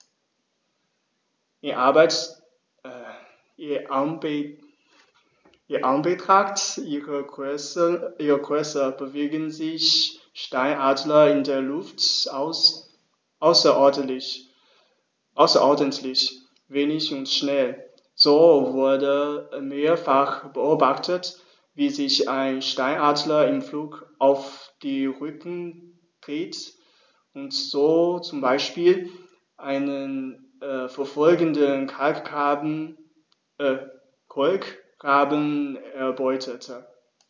In Anbetracht ihrer Größe bewegen sich Steinadler in der Luft außerordentlich wendig und schnell, so wurde mehrfach beobachtet, wie sich ein Steinadler im Flug auf den Rücken drehte und so zum Beispiel einen verfolgenden Kolkraben erbeutete.